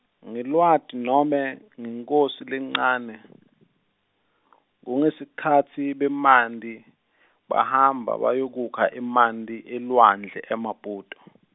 NgeLweti nobe ngeNkhosi lencane kungesikhatsi bemanti bahamba bayokukha emanti elwandle eMaputo.